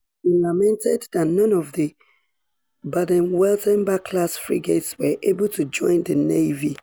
He lamented that none of the of the Baden-Wuerttemberg-class frigates were able to join the Navy.